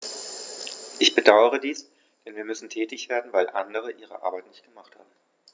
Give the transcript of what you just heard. Ich bedauere dies, denn wir müssen tätig werden, weil andere ihre Arbeit nicht gemacht haben.